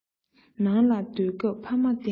ནང ལ སྡོད སྐབས ཕ མར བརྟེན